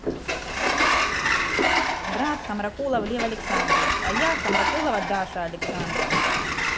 брат хамракулов лев александрович а я хамракулова даша александровна